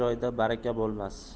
joyda baraka bo'lmas